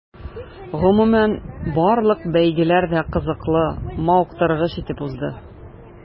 Гомумән, барлык бәйгеләр дә кызыклы, мавыктыргыч итеп узды.